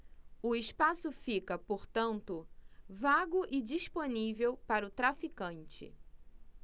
o espaço fica portanto vago e disponível para o traficante